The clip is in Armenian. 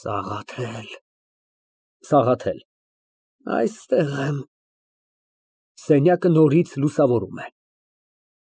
Սաղաթել։ ՍԱՂԱԹԵԼ ֊ Այստեղ եմ։ (Սենյակը նորից լուսավորում է)։